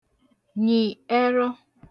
nyị ẹrọ